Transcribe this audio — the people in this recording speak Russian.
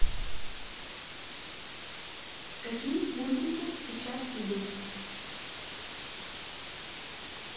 какие мультики сейчас идут